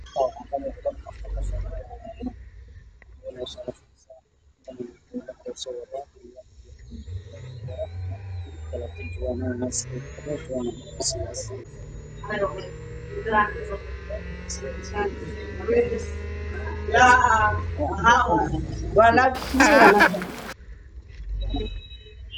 Waa niman oo ulo heeysto oo fadhiyo